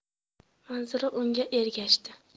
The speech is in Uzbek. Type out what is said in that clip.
manzura unga ergashdi